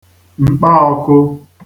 m̀kpaọ̄kụ̄